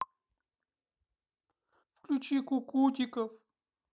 включи кукутиков